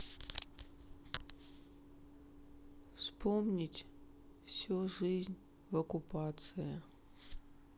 вспомнить все жизнь в оккупации